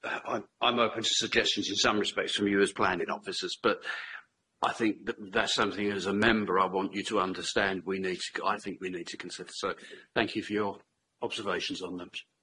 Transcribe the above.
I'm I'm open to suggestions in some respects from you as planning officers but I think th- that's something as a member I want you to understand we need to g- I think we need to consider so thank you for your observations on that.